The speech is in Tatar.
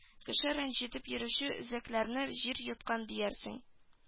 Кеше рәнҗетеп йөрүче өрәкләрне җир йоткан диярсең